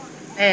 eyyi